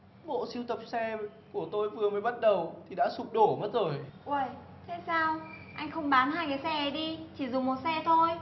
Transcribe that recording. bộ sưu tập xe của tôi vừa mới bắt đầu thì đã sụp đổ mất rồi uầy thế sao anh không bán cái xe đấy đi chỉ dùng xe thôi